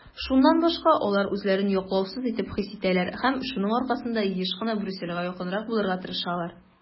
Шуннан башка алар үзләрен яклаусыз итеп хис итәләр һәм шуның аркасында еш кына Брюссельгә якынрак булырга тырышалар.